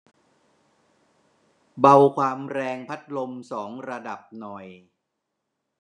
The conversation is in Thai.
เบาความแรงพัดลมสองระดับหน่อย